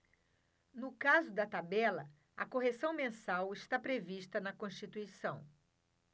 no caso da tabela a correção mensal está prevista na constituição